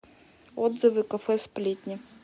отзывы кафе сплетни